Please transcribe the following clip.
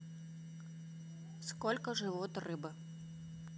сколько живут рыбы